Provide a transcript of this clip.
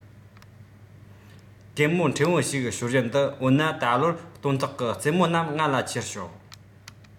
གད མོ ཕྲན བུ ཞིག ཤོར བཞིན དུ འོ ན ད ལོར སྟོན ཐོག གི ཙེ མོ རྣམས ང ལ ཁྱེར ཤོག